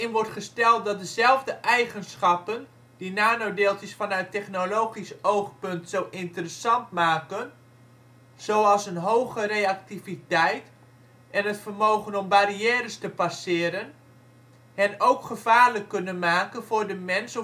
wordt gesteld dat dezelfde eigenschappen die nanodeeltjes vanuit technologisch oogpunt zo interessant maken, zoals een hoge reactiviteit en het vermogen om barrières te passeren, hen ook gevaarlijk kunnen maken voor de mens